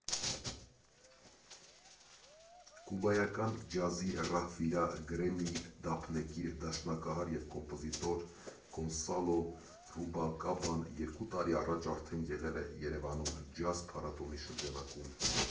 Կուբայական ջազի ռահվիրա, Գրեմմիի դափնեկիր, դաշնակահար և կոմպոզիտոր Գոնսալո Ռուբալկաբան երկու տարի առաջ արդեն եղել է Երևանում՝ ջազ֊փառատոնի շրջանակում։